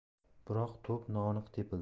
biroq to'p noaniq tepildi